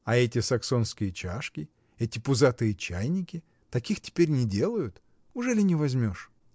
— А эти саксонские чашки, эти пузатые чайники? Таких теперь не делают. Ужели не возьмешь?